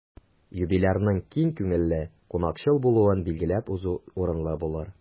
Юбилярның киң күңелле, кунакчыл булуын билгеләп узу урынлы булыр.